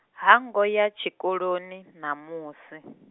Hangoya tshikoloni ṋamusi .